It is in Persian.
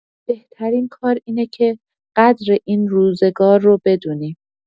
بهترین کار اینه که قدر این روزگار رو بدونیم.